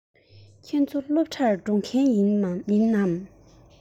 ཁྱེད ཚོ སློབ གྲྭར འགྲོ མཁན ཡིན པས